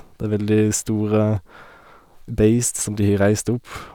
Det er veldig store beist som de har reist opp.